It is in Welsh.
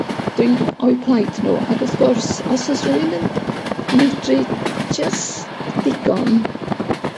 dwi o'u plaid nw ac wrth gwrs os o's rywun yn medru jyst digon